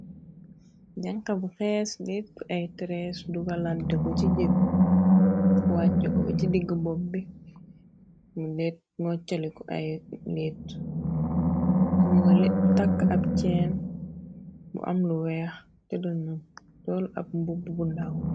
Janxa b xees leet ay trees, duga lante ko ci jégg, wàccko ko ci digg bop bi, mu dét mo caliku ay let, ñoogo takk ab cenn bu am lu weex, te donu doll ab mbubb bu ndaw.